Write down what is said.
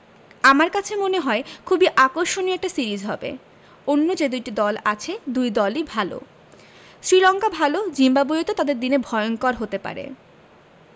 আমার কাছে মনে হয় খুবই আকর্ষণীয় একটা সিরিজ হবে অন্য যে দুটি দল আছে দুই দলই ভালো শ্রীলঙ্কা ভালো জিম্বাবুয়েতেও তাদের দিনে ভয়ংকর হতে পারে